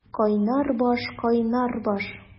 Кайнар баш, кайнар баш!